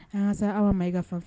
Ansa aw ma i ka fan